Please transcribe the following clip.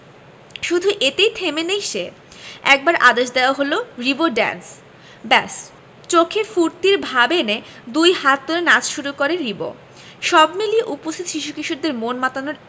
শুধু এতেই থেমে নেই সে একবার আদেশ দেওয়া হলো রিবো ড্যান্স ব্যাস চোখে ফূর্তির ভাব এনে দুই হাত তুলে নাচ শুরু করে রিবো সব মিলিয়ে উপস্থিত শিশু কিশোরদের মন মাতানোর